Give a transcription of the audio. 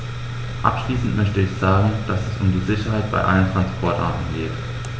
Abschließend möchte ich sagen, dass es um die Sicherheit bei allen Transportarten geht.